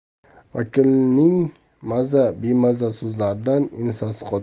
vakilning maza bemaza so'zlaridan ensasi